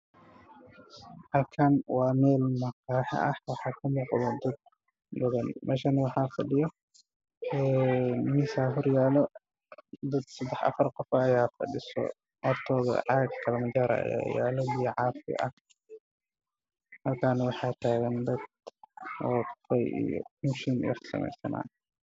Halkaan waa meel maqayad ah niman ayaa joogo kuwana way taagan yihiin kuwana way fadhiyaan